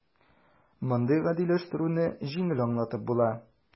Мондый "гадиләштерү"не җиңел аңлатып була: